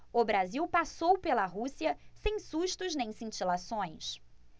o brasil passou pela rússia sem sustos nem cintilações